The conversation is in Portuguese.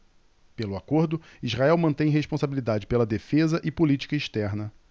pelo acordo israel mantém responsabilidade pela defesa e política externa